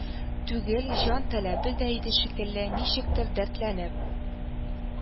Түгел, җан таләбе дә иде шикелле, ничектер дәртләнеп,